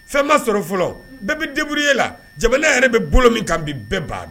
Fɛn ma sɔrɔ fɔlɔ bɛɛ be débrouiller la jamana yɛrɛ be bolo min kan bi bɛɛ b'a dɔn